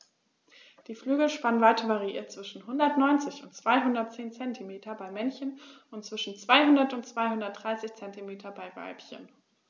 Die Flügelspannweite variiert zwischen 190 und 210 cm beim Männchen und zwischen 200 und 230 cm beim Weibchen.